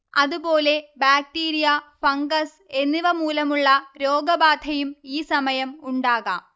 അതുപോലെ bacteria, fungus എന്നിവമൂലമുള്ള രോഗബാധയും ഈസമയം ഉണ്ടാകാം